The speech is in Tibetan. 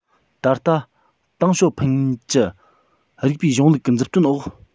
ད ལྟ ཏེང ཞའོ ཕིན གྱི རིགས པའི གཞུང ལུགས ཀྱི མཛུབ སྟོན འོག